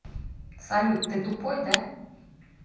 салют ты тупой да